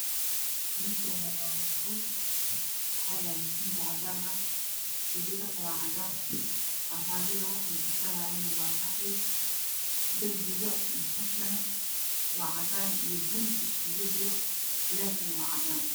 Meeshaani waa musqul waxaa yaala tuuji cadaan ah.waji dhaqu waa cadaan Armaajada wax lagashanayana waa qaxwi. darbiga musqushana waa cadaan iyo bulug iskugu jiro. Layrkana waa cadaan.